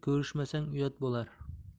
ko'rishmasang uyat bo'lar